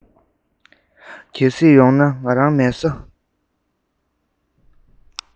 གལ སྲིད ཡོད ན ང རང མལ ས